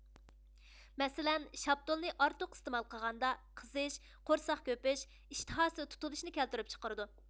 مەسىلەن شاپتۇلنى ئارتۇق ئىستېمال قىلغاندا قىزىش قورساق كۆپۈش ئىشتىھاسى تۇتۇلۇشنى كەلتۈرۈپ چىقىرىدۇ